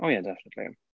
Oh yeah definitely.